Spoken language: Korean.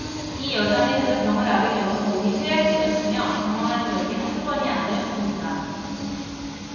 이 여자는 그 병을 앓으면서 몸이 쇠약해졌으며 당황한 적이 한두 번이 아니었습니다